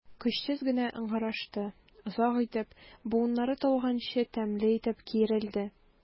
Көчсез генә ыңгырашты, озак итеп, буыннары талганчы тәмле итеп киерелде.